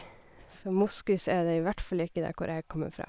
For moskus er det i hvert fall ikke der hvor jeg kommer fra.